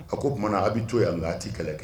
A ko t tuma a bɛ jɔ yan la laati kɛlɛ kɛ